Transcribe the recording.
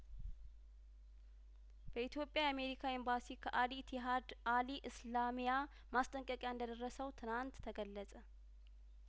በኢትዮጵያ የአሜሪካ ኤምባሲ ከአልኢቲሀድ አልእስላሚያ ማስጠንቀቂያ እንደደረሰው ትናንት ተገለጸ